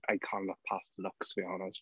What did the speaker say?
I can't look past the looks, to be honest.